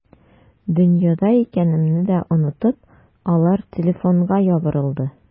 Дөньяда икәнемне дә онытып, алар телефонга ябырылды.